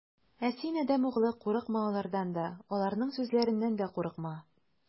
Ә син, адәм углы, курыкма алардан да, аларның сүзләреннән дә курыкма.